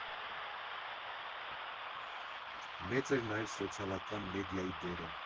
Մեծ էր նաև սոցիալական մեդիայի դերը։